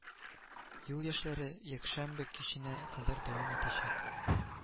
Юл эшләре якшәмбе киченә кадәр дәвам итәчәк